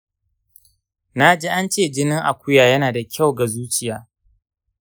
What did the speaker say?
naji ance jinin akuya yana da kyau ga zuciya.